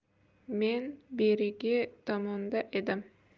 men berigi tomonda edim